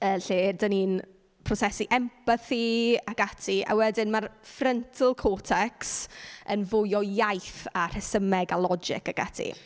y lle dan ni'n prosesu empathi ac ati. A wedyn mae'r frontal cortex yn fwy o iaith a rhesymeg a logic ac ati.